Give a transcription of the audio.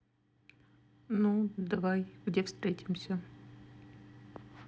ну давай где встретимся